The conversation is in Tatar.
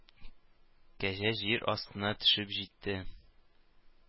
Кәҗә җир астына төшеп җитте